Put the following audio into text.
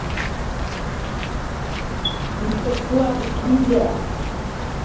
электрослабость лидия